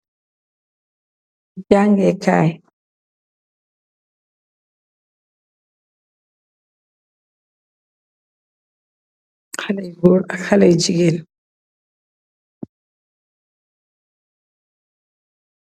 Jankeh gaai , haleh yu goor ak yu jigeen.